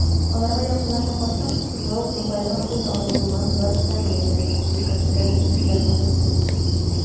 Аларга якынлаша калсаң, шунда ук маңгаеңа пуля алып булганын барысы да белә иде, - дип искә төшерә фетнәчеләрнең берсе.